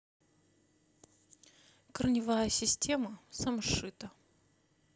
корневая система самшита